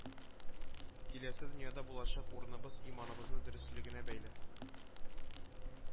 Киләсе дөньяда булачак урыныбыз иманыбызның дөреслегенә бәйле